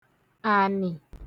ànị̀